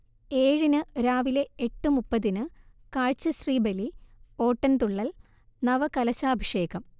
ഏഴിന് രാവിലെ എട്ട് മുപ്പതിന് കാഴ്ചശ്രീബലി, ഓട്ടൻതുള്ളൽ, നവകലശാഭിഷേകം